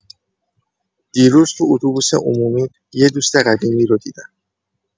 دیروز تو اتوبوس عمومی یه دوست قدیمی رو دیدم.